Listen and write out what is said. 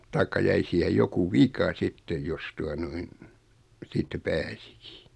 tai jäi siihen joku vika sitten jos tuota noin siitä pääsikin